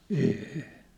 ei